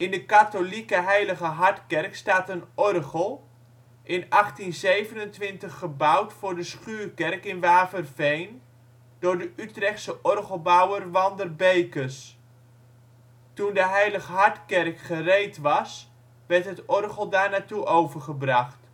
de katholieke Heilig Hartkerk staat een orgel, in 1827 gebouwd voor de schuurkerk in Waverveen door de Utrechtse orgelbouwer Wander Beekes. Toen de Heilig Hartkerk gereed was, werd het orgel daarnaartoe overgebracht